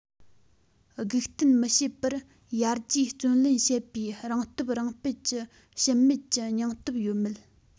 སྒུག རྟེན མི བྱེད པར ཡར རྒྱས བརྩོན ལེན བྱེད པའི རང སྟོབས རང སྤེལ གྱི ཞུམ མེད ཀྱི སྙིང སྟོབས ཡོད མེད